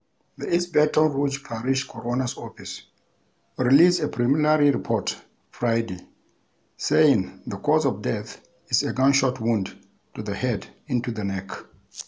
The East Baton Rouge Parish Coroner's Office released a preliminary report Friday, saying the cause of death is a gunshot wound to the head into the neck.